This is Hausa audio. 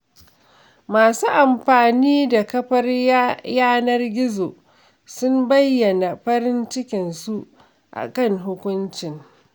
Masu amfani da kafar yanar gizo sun bayyana farin cikinsu a kan hukuncin.